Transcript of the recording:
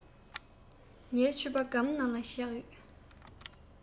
ངའི ཕྱུ པ སྒམ ནང ལ བཞག ཡོད